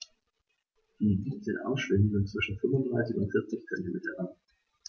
Die 17 Armschwingen sind zwischen 35 und 40 cm lang.